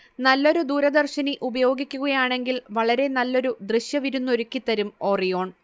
നല്ലൊരു ദൂരദർശിനി ഉപയോഗിക്കുകയാണെങ്കിൽ വളരെ നല്ലൊരു ദൃശ്യവിരുന്നൊരുക്കിത്തരും ഓറിയോൺ